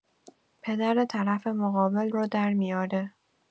پدر طرف مقابل رو درمی‌اره.